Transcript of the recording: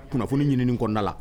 Kunnafoni ɲinin kɔnda la